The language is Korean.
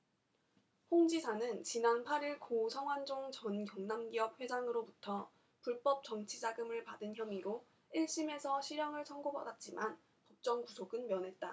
홍 지사는 지난 팔 일 고 성완종 전 경남기업 회장으로부터 불법 정치자금을 받은 혐의로 일 심에서 실형을 선고받았지만 법정 구속은 면했다